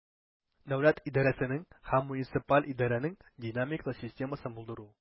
Дәүләт идарәсенең һәм муниципаль идарәнең динамикалы системасын булдыру.